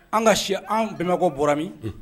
An ka si an bɛn bɔra min